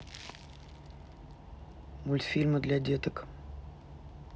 мультфильмы для деток